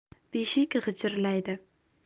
beshik g'ichirlaydi